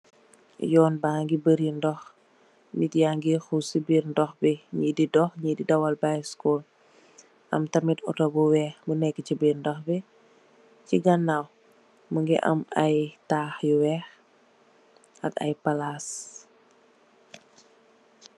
Yoon ba ngi bari ndoh, nit ay ngè hoos ci biir ndoh bi, nye di doh, nye di dawal bicycle. Am tamit auto bu weeh bu nekk chi biir ndoh bi. Chi ganaaw mungi am ay tah yu weeh ak ay palaas.